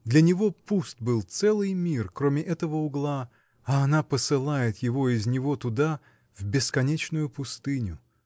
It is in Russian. Для него пуст был целый мир, кроме этого угла, а она посылает его из него туда, в бесконечную пустыню!